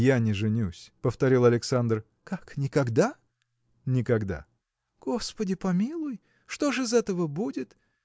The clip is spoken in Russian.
– Я не женюсь, – повторил Александр. – Как, никогда? – Никогда. – Господи помилуй! что ж из этого будет?